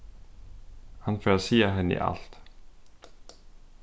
hann fer at siga henni alt